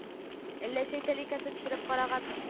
Әллә чәй тәлинкәсен төшереп карарган